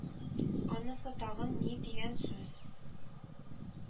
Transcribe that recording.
Анысы тагын ни дигән сүз